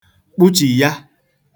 kpụchìya